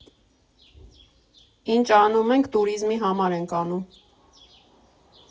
Ինչ անում ենք, տուրիզմի համար ենք անում։